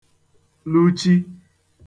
luchi